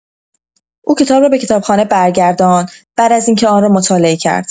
او کتاب را به کتابخانه برگرداند بعد از اینکه آن را مطالعه کرد.